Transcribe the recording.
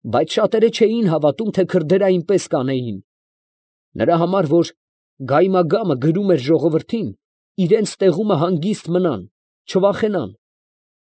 Բայց շատերը չէին հավատում, թե քրդերը այնպես կանեին. նրա համար, որ գայմադամը գրում էր ժողովրդին՝ իրանց տեղումը հանգիստ մնան, չվախենան։